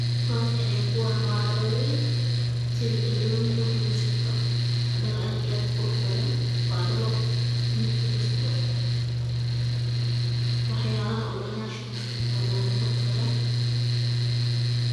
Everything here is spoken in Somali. Kuwani wa dhaladii wa dhalo ad iyoad u qurxan